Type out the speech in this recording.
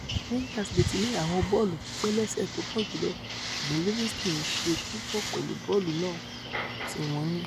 Rangers leè ti ní àwọn bọ́ọ̀lù pípẹ́lẹ́sẹ̀ tópọ̀jùlọ̀ ṣùgbọ́n Livingston ṣe púpọ̀ pẹ̀lú bọ́ọ̀lù náà tíwọ́n ní.